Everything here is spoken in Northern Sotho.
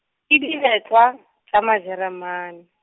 dibe letswa, tša Majeremane.